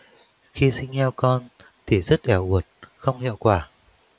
khi sinh heo con thì rất èo uột không hiệu quả